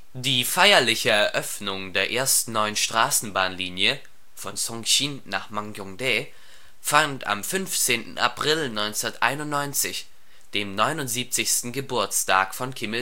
Die feierliche Eröffnung der ersten neuen Straßenbahnlinie (Songsin – Man'gyŏngdae) fand am 15. April 1991, dem 79. Geburtstag von Kim